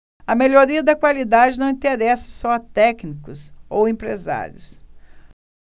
a melhoria da qualidade não interessa só a técnicos ou empresários